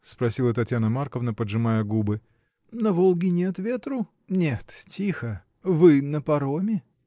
— спросила Татьяна Марковна, поджимая губы, — на Волге нет ветру? — Нет, тихо. — Вы на пароме?